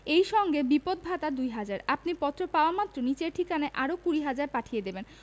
এই সঙ্গে বিপদ ভাতা দু'হাজার আপনি পত্র পাওয়ামাত্র নিচের ঠিকানায় আরো কুড়ি হাজার পাঠিয়ে দেবেন